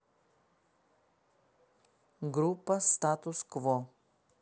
группа статус кво